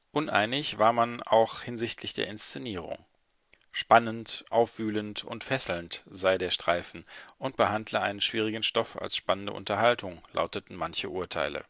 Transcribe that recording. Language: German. Uneinig war man auch hinsichtlich der Inszenierung. Spannend, aufwühlend und fesselnd sei der Streifen, und behandle einen schwierigen Stoff als spannende Unterhaltung, lauteten manche Urteile